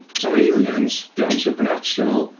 Does na'm aliens, dio'm yn supernatural.